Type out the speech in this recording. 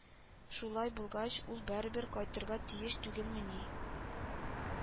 Шулай булгач, ул барыбер кайтырга тиеш түгелмени